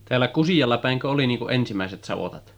täällä Kusialla päinkö oli niin kuin ensimmäiset savotat